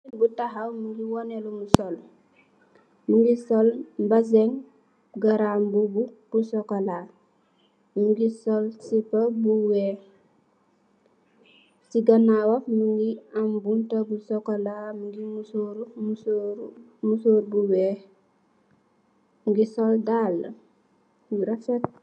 Bu tahaw mogi woneh lum sol mogi sol bazen garambubu bu chocola mogi sol sipa bu weex si ganawam mogi am bunta bu chocola bugi musuru musuru musurr bu weex mogi sol daal bu refet.